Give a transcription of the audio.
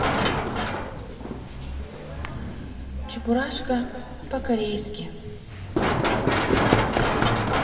чебурашка по корейски